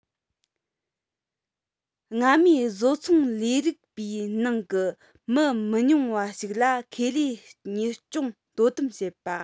སྔ མའི བཟོ ཚོང ལས རིགས པའི ནང གི མི མི ཉུང བ ཞིག ལ ཁེ ལས གཉེར སྐྱོང དོ དམ བྱེད པ